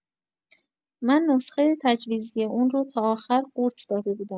من نسخه تجویزی اون رو تا آخر قورت داده بودم.